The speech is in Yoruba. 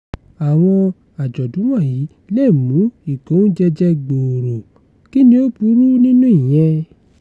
Àwọn àjọ̀dún wọ̀nyí lè mú ìkóúnjẹjẹ gbòòrò, kí ni ó burú nínú ìyẹn?